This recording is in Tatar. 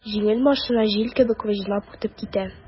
Җиңел машина җил кебек выжлап үтеп китте.